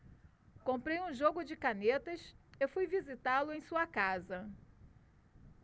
comprei um jogo de canetas e fui visitá-lo em sua casa